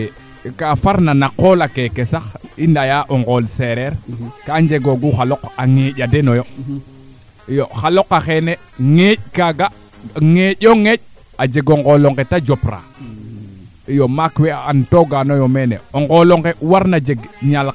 mbala Casamance a jega xa axa xa ando naye ko nana gol le ndaa andiro den o nado xoolu bo i leyna xa axa xaaga i mbaaga lim teen cop a cop a araake na leyel a cop ndae foofiu rek a soxla u